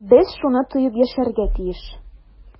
Без шуны тоеп яшәргә тиеш.